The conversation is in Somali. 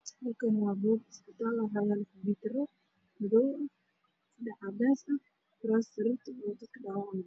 Halkaan waa goob isbitaal ah waxaa yaalo kumiitaro madow iyo cadeys ah, sariirta dadka dhaawacaa.